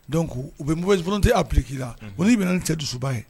Don u bɛ fonte a priki la ko n'i bɛna nin cɛ dususuba ye